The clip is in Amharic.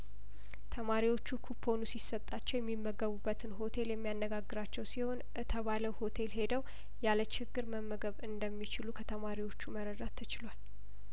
ተማሪዎቹ ኩፖኑ ሲሰጣቸው የሚመ ገቡበት ሆቴል የሚያነጋግራቸው ሲሆን እተባሉት ሆቴል ሄደው ያለችግር መመገብ እንደሚችሉ ከተማሪዎቹ መረዳት ተችሏል